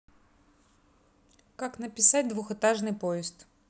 как написать двухэтажный поезд